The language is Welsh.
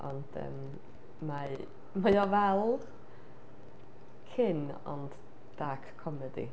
Ond ym mae mae o fel Kin, ond dark comedy.